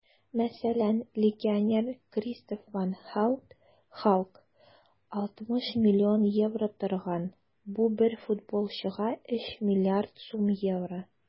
Мәсәлән, легионер Кристоф ван Һаут (Халк) 60 млн евро торган - бу бер футболчыга 3 млрд сум евро!